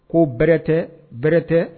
Ko bɛ tɛ bɛ tɛ